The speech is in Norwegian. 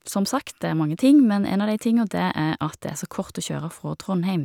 Som sagt, det er mange ting, men en av de tinga det er at det så kort å kjøre fra Trondheim.